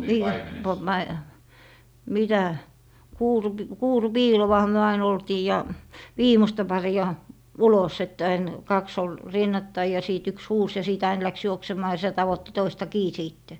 niin -- mitä - kuurupiiloahan me aina oltiin ja viimeistä paria ulos että aina kaksi oli rinnattain ja siitä yksi huusi ja sitten aina lähti juoksemaan ja sitä tavoitti toista kiinni sitten